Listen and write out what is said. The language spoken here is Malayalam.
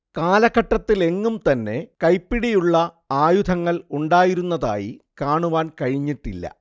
കാലഘട്ടത്തിലെങ്ങും തന്നെ കൈപിടിയുള്ള ആയുധങ്ങൾ ഉണ്ടായിരുന്നതായി കാണുവാൻ കഴിഞ്ഞിട്ടില്ല